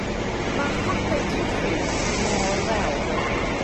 Ma' hade tri lliw mor ddel